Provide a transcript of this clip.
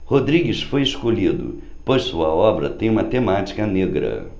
rodrigues foi escolhido pois sua obra tem uma temática negra